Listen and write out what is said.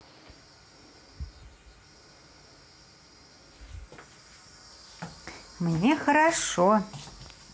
мне хорошо